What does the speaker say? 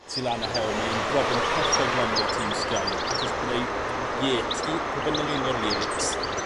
sy lan y hewl mae e'n broblem hollol gwanol i Team Sky achos byddai ng- Yates u- pwy bynnag un o'r Yates